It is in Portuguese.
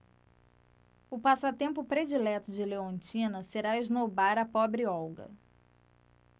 o passatempo predileto de leontina será esnobar a pobre olga